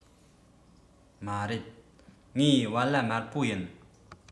མ རེད ངའི བལ ལྭ དམར པོ ཡིན